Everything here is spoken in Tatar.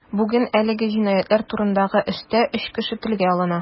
Бүген әлеге җинаятьләр турындагы эштә өч кеше телгә алына.